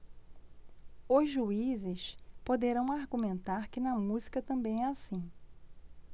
os juízes poderão argumentar que na música também é assim